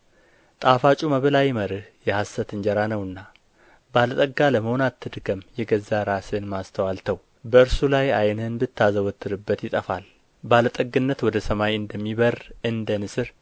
ጣፋጩ መብል አይመርህ የሐሰት እንጀራ ነውና ባለጠጋ ለመሆን አትድከም የገዛ ራስህን ማስተዋል ተው በእርሱ ላይ ዓይንህን ብታዘወትርበት ይጠፋል ባለጠግነት ወደ ሰማይ እንደሚበርር እንደ ንስር